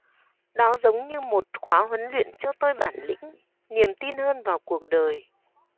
đó giống như một khóa huấn luyện cho tôi bản lĩnh niềm tin hơn vào cuộc đời